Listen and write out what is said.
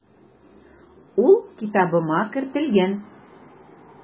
Ул китабыма кертелгән.